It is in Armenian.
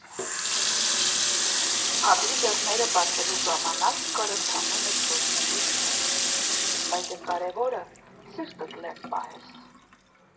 Փաբի դռները բացելու ժամանակ կար ընդամենը չորս շիշ խմիչք, բայց դե կարևորը՝ սիրտդ լեն պահես։